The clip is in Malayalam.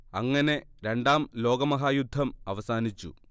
അങ്ങനെ രണ്ടാം ലോകമഹായുദ്ധം അവസാനിച്ചു